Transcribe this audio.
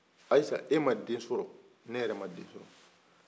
ayisa e ma den sɔrɔ ne yɛrɛ ma den sɔrɔ